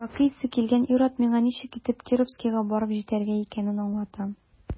Аракы исе килгән ир-ат миңа ничек итеп Кировскига барып җитәргә икәнен аңлата.